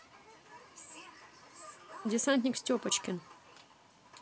десантник степочкин